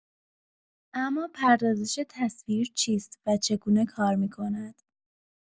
اما پردازش تصویر چیست و چگونه کار می‌کند؟